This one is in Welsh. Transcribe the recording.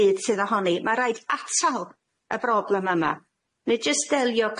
byd sydd ohoni ma' raid atal y broblem yma neu jyst delio